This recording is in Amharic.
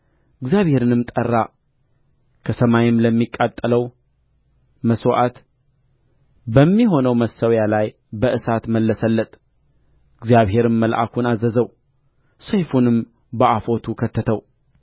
እግዚአብሔርንም ጠራ ከሰማይም ለሚቃጠለው መሥዋዕት በሚሆነው መሠዊያ ላይ በእሳት መለሰለት እግዚአብሔርም መልአኩን አዘዘው ሰይፉንም በአፎቱ ከተተው